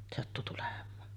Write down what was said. sattui tulemaan